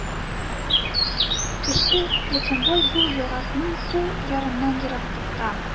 Кече Пятомбой-Ю елгасының сул ярыннан ераклыкта